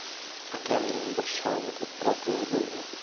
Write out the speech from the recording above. akamning bir shogirdi prokuror bo'lgan